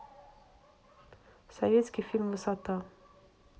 советский фильм высота